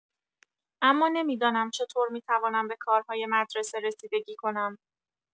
اما نمی‌دانم چطور می‌توانم به کارهای مدرسه رسیدگی کنم.